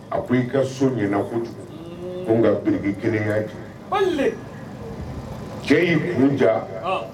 A ko i ka so ɲ kojugu ko nka bki kelen di cɛ y'i kun ja